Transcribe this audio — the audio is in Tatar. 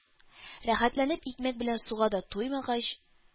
Рәхәтләнеп икмәк белән суга да туймагач,